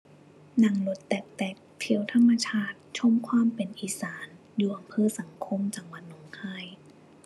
นั่งรถแต๊กแต๊ก เที่ยวธรรมชาติ ชมความเป็นอีสาน อยู่อำเภอสังคม จังหวัดหนองคาย